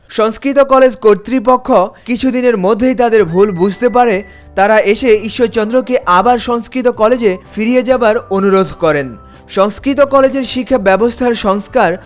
সংস্কৃত college কর্তৃপক্ষ কিছুদিনের মধ্যেই তাদের ভুল বুঝতে পারে তারা এসে ঈশ্বরচন্দ্রকে আবার সংস্কৃত কলেজে ফিরিয়ে যাবার অনুরোধ করেন সংস্কৃত কলেজের শিক্ষা ব্যবস্থার সংস্কার